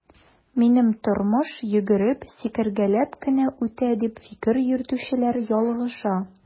Минем тормыш йөгереп, сикергәләп кенә үтә, дип фикер йөртүчеләр ялгыша.